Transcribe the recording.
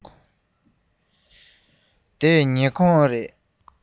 འདི ཉལ ཁང རེད པས